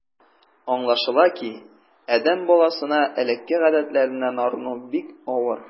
Аңлашыла ки, адәм баласына элекке гадәтләреннән арыну бик авыр.